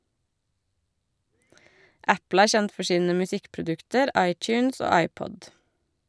Apple er kjent for sine musikkprodukter iTunes og iPod.